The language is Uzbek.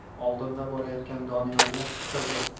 oldinda borayotgan doniyorga qichqirdi